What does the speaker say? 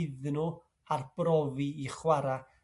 iddyn nhw arbrofi i chwara'.